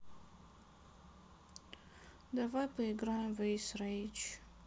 давай поиграем в эйс рейч